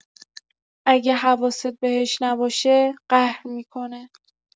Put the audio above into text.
اگه حواست بهش نباشه، قهر می‌کنه.